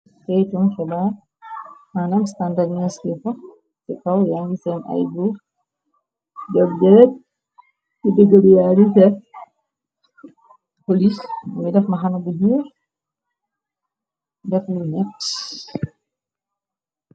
Feytum xebaar, mannam standaneski fox ci kaw yaangi seen ay buux joob, jërët ci dëgaluyaari ta holis gi daf maxana bu nuur, def lu nekp.